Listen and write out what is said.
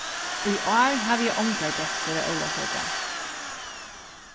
í ár havi eg ongar gestir á ólavsøku